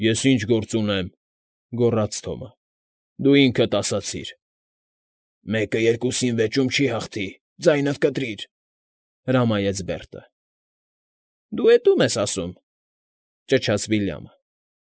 Ես ի՞նչ գործ ունեմ,֊ գառաց Թոմը։֊ Դու ինքդ ասացիր։ ֊ Մեկը երկուսին վեճում չի հաղթի, ձայնդ կտրիր,֊ հրամայեց Բերտը։ ֊ Դու էդ ո՞ւմ ես ասում,֊ ճչաց Վիլյամը։